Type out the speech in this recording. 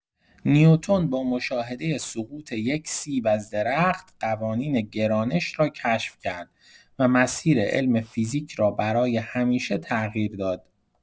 نیوتن با مشاهده سقوط یک سیب از درخت، قوانین گرانش را کشف کرد و مسیر علم فیزیک را برای همیشه تغییر داد.